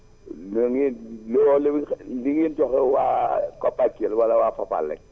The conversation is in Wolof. lu ngeen li ngeen jox waa COPACEL wala waa Fapal rek